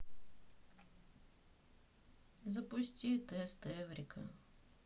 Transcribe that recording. запусти тест эврика